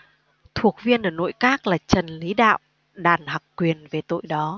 thuộc viên ở nội các là trần lý đạo đàn hặc quyền về tội đó